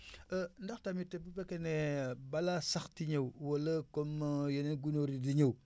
ndax tamit bu fekkee ne balaa sax di ñëw wala comme yeneen gunóor yi di ñëw